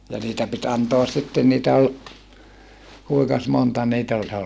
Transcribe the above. ja niitä piti antaa sitten niitä oli kuinkas monta niitä oli